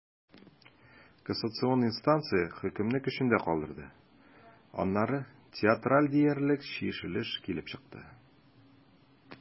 Кассацион инстанция хөкемне көчендә калдырды, аннары театраль диярлек чишелеш килеп чыкты.